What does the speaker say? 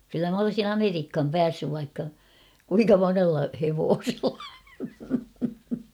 kyllä minä olisin Amerikkaan päässyt vaikka kuinka monella hevosella